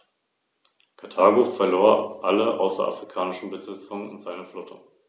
Landkreise, Kommunen, Vereine, Verbände, Fachbehörden, die Privatwirtschaft und die Verbraucher sollen hierzu ihren bestmöglichen Beitrag leisten.